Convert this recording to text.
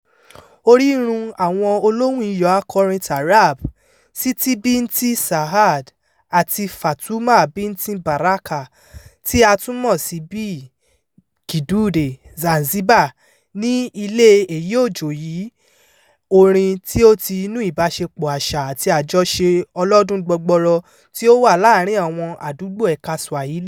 Orírun àwọn olóhùn-iyò akọrin taarab, Siti Binti Saad àti Fatuma Binti Baraka, tí a tún mọ̀ sí Bi. Kidude, Zanzibar ni ilé èyí-ò-jọ̀yìí orin tí ó ti inúu ìbàṣepapọ̀ àṣà àti àjọṣe ọlọ́dún gbọgbọrọ tí ó wà láàárín àwọn àdúgbò ẹ̀ka Swahili.